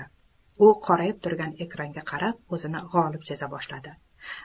u qorayib turgan ekranga qarab o'zini g'olib seza boshladi